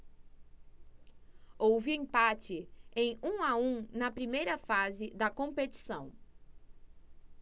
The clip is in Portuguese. houve empate em um a um na primeira fase da competição